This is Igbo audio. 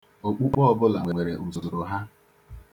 Okpukpe ọbụla nwere usoro ha.